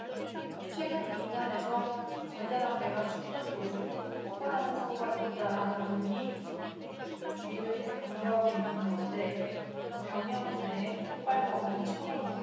최근 민간에서 전자담배가 충전 도중 폭발하는 사고가 잇따라 당국이 주의를 당부하고 있는 가운데 병영 내 폭발 사고는 처음이다